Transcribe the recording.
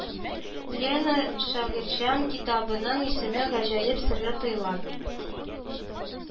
Лена Шагыйрьҗан китабының исеме гаҗәеп серле тоела: